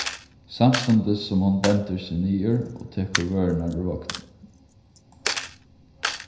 samstundis sum hon bendir seg niður og tekur vørurnar úr vogninum